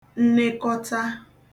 nnekọta